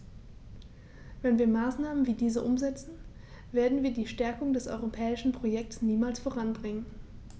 Wenn wir Maßnahmen wie diese umsetzen, werden wir die Stärkung des europäischen Projekts niemals voranbringen.